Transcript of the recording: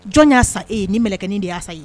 Jɔn y'a sa e ye nin kɛlɛkɛ de y'a ye